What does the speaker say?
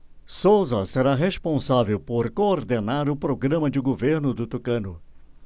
souza será responsável por coordenar o programa de governo do tucano